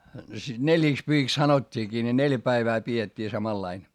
sitä neljiksipyhiksi sanottiinkin ne neljä päivää pidettiin samanlainen